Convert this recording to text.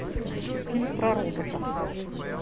фильм про роботов